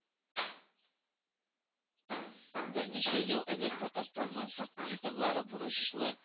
Берничә ел элек Татарстанның суд приставлары бурычлы